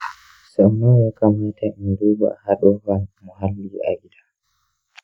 sau nawa ya kamata in duba haɗurran muhalli a gida?